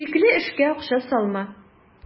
Шикле эшкә акча салма.